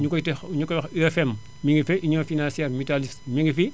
ñu koy tex ñu koy wax UFM mi ngi fi Union financière mutaliste mi ngi fi